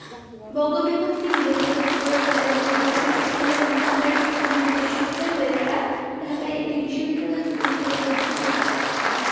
বঙ্গবিভক্তি বিলোপের ক্ষতিপূরণ এবং কলকাতা বিশ্ববিদ্যালয়ের বিরোধিতার বিরুদ্ধে সোচ্চার হয়ে তারা ঢাকায় একটি বিশ্ববিদ্যালয় প্রতিষ্ঠার জোর দাবি জানান